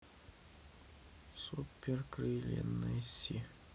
супер крылья несси